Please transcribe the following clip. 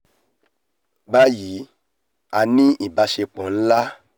Báyìí a ní ìbáṣepọ̀ ńlá.''